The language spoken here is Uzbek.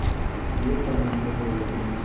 men tomonga burildi